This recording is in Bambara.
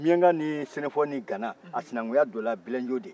miyanga ni sɛnɛfɔ ni gana a sinankunya donna bilenjo de